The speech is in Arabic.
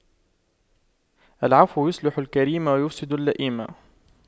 العفو يصلح الكريم ويفسد اللئيم